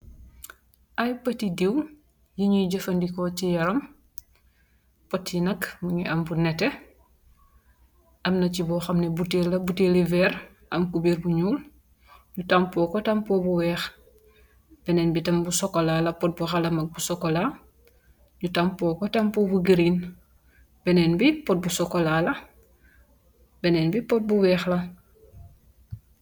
Ay poti diw yu nyuy jafandiko si yaram, pot yi nak mingi am bu nete, amne ci boxamne bitel la, boteli veer am kuber bu nyuul, nyu tampoko, tampo bu weex, benen bi tam bu sokola la pot bu xala mag, bu sokola, yu tampoko tampo bu geren, benen bi pot bu sokola la, benen bi pot bu weex la